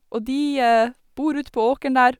Og de bor utpå åkeren der.